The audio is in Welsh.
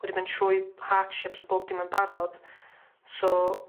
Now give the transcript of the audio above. wedi mynd trwy hardships a bob dim yn barod so